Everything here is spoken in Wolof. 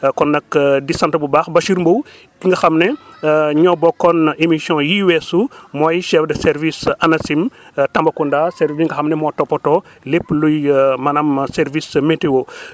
kon nag di sant bu baax Bachir Mbow ki nga xam ne ñoo bokkoon émissions yi weesu mooy chef de service ANACIM tambacounda sezrvice bi nga xam ne mooy toppatoo lépp luy maanaam service météo